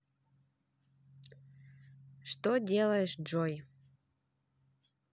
что делаешь джой